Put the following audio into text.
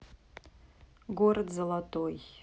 город золотой